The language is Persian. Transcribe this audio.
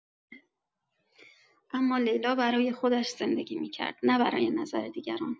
اما لیلا برای خودش زندگی می‌کرد، نه برای نظر دیگران.